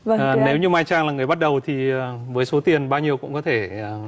nếu như mai trang là người bắt đầu thì với số tiền bao nhiêu cũng có thể